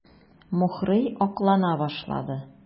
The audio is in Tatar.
Мухрый аклана башлады.